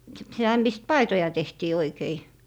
- sitä mistä paitoja tehtiin oikein